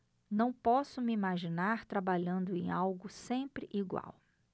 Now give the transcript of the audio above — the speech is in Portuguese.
não posso me imaginar trabalhando em algo sempre igual